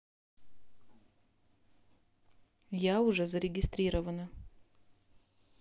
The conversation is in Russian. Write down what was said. я уже зарегистрирована